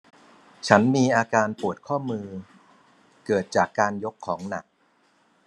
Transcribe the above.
ฉันมีอาการปวดข้อมือเกิดจากการยกของหนัก